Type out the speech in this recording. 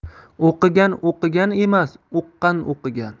o'qigan o'qigan emas uqqan o'qigan